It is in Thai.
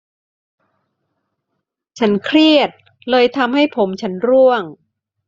ฉันเครียดเลยทำให้ผมฉันร่วง